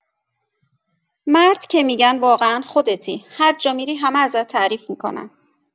مرد که می‌گن واقعا خودتی، هر جا می‌ری همه ازت تعریف می‌کنن.